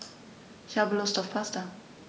Ich habe Lust auf Pasta.